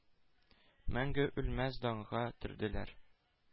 Мәңге үлмәс данга төрделәр.